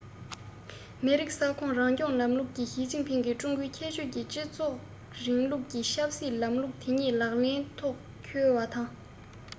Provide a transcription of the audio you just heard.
མི རིགས ས ཁོངས རང སྐྱོང ལམ ལུགས ཞིས ཅིན ཕིང གིས ཀྲུང གོའི ཁྱད ཆོས ཀྱི སྤྱི ཚོགས རིང ལུགས ཀྱི ཆབ སྲིད ལམ ལུགས དེ ཉིད ལག ལེན ཐོག འཁྱོལ བ དང